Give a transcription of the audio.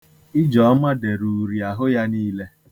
Ijeọma dèrè uri ahụ ya niile.